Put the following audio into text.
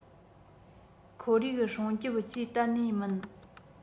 ཁོར ཡུག སྲུང སྐྱོབ ཅུད གཏན ནས མིན